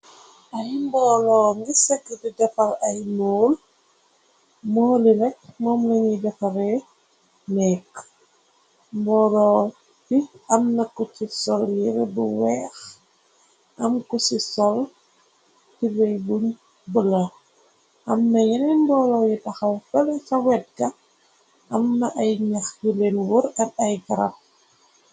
Ay mbooloo mi sekk gu di defar ay mool moo li nak moom lañuy defare neekk mbooloo bi amna ku ci sol yire bu weex am ku ci sol tibey bu bulo am na yeneen mbooloo yi taxaw feleh sa wedka am na ay ñyax yu leen woor at ay garab.